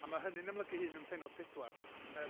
A ma' hynny'n amlygu ei hun yn pennod pedwar yym.